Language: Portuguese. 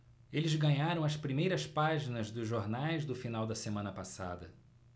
eles ganharam as primeiras páginas dos jornais do final da semana passada